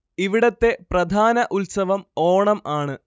ഇവിടത്തെ പ്രധാന ഉത്സവം ഓണം ആണ്